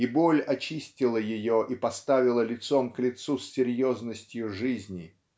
и боль очистила ее и поставила лицом к лицу с серьезностью жизни.